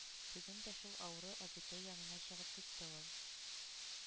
Бүген дә шул авыру әбекәй янына чыгып китте ул.